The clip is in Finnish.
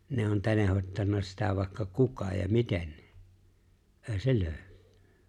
ne on tenhottanut sitä vaikka kuka ja miten ei se löydy